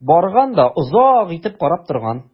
Барган да озак итеп карап торган.